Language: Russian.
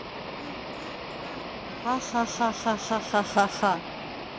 ахахахахахаха